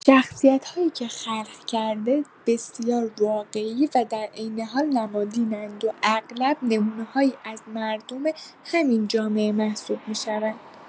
شخصیت‌هایی که خلق کرده، بسیار واقعی و در عین حال نمادین‌اند و اغلب نمونه‌هایی از مردم همین جامعه محسوب می‌شوند.